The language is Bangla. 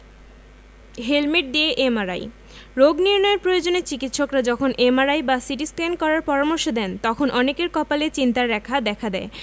হেলমেট দিয়ে এমআরআই রোগ নির্নয়ের প্রয়োজনে চিকিত্সকরা যখন এমআরআই বা সিটিস্ক্যান করার পরামর্শ দেন তখন অনেকের কপালে চিন্তার রেখা দেখা দেয়